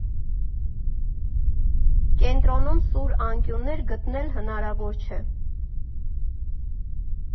Կենտրոնում սուր անկյուններ գտնել հնարավոր չէ։